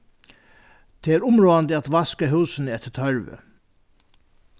tað er umráðandi at vaska húsini eftir tørvi